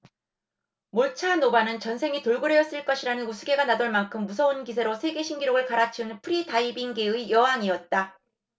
몰차노바는 전생이 돌고래였을 것이라는 우스개가 나돌만큼 무서운 기세로 세계신기록을 갈아치운 프리다이빙계의 여왕이었다